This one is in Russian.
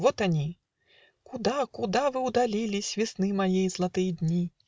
вот они: "Куда, куда вы удалились, Весны моей златые дни?